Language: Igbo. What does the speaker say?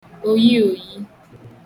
òyiòyi